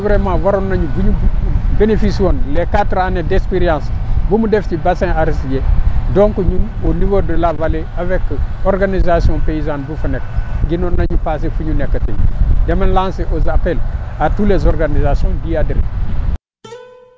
donc vraiment waroon nañu bu ñu bénéficié woon les quatre années d' expérience bu mu def ci basin archidier donc ñun au niveau de la vallée avec organisation paysane bu fa nekk gënoo nañu passé fi ñu nekk fii dama lancé un appel à tous les organisations d' y adhéré